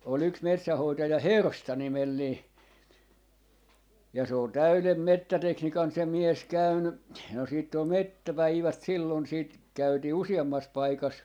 oli yksi metsähoitaja Hersta nimellinen ja se on täyden metsätekniikan se mies käynyt no sitten oli metsäpäivät silloin sitten käytiin useammassa paikassa